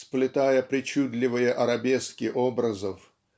сплетая причудливые арабески образов